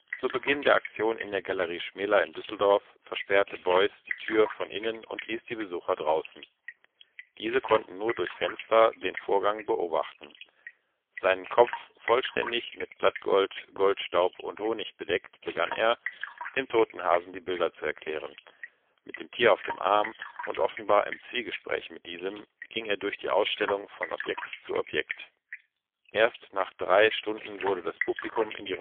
Zu Beginn der Aktion in der Galerie Schmela in Düsseldorf versperrte Beuys die Tür von innen und ließ die Besucher draußen. Diese konnten nur durch Fenster den Vorgang beobachten. Seinen Kopf vollständig mit Blattgold, Goldstaub und Honig bedeckt, begann er, dem toten Hasen die Bilder zu erklären: Mit dem Tier auf dem Arm, und offenbar im Zwiegespräch mit diesem, ging er durch die Ausstellung, von Objekt zu Objekt. Erst nach drei Stunden wurde das Publikum in die